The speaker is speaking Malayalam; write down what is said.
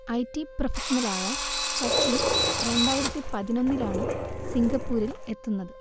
ഐ ടി പ്രൊഫഷണലായ സച്ചിൻ രണ്ടായിരത്തി പതിനൊന്നിലാണ് സിംഗപ്പൂരിൽ എത്തുന്നത്